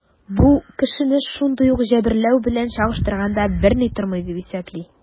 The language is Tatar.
Бу кешене шундый ук җәберләү белән чагыштырганда берни тормый, дип исәпли.